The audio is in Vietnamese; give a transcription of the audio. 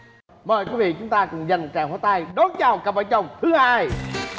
mời quý vị chúng ta cùng dành một chàng pháo tay đón chào cặp vợ chồng thứ hai